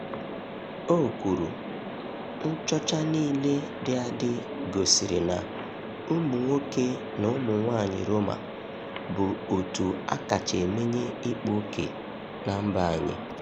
O kwuru: Nchọcha niile dị adị gosiri na ụmụnwoke na ụmụnwaanyị Roma bụ òtù a kacha emenye ịkpa oke na mba anyị.